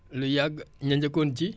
lu yàgg ña njëkkoon ji